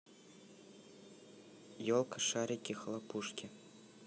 елка шарики хлопушки